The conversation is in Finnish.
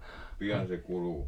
pian se kuluu